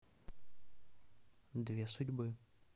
две судьбы